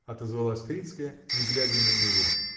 — отозвалась Крицкая, не глядя на него.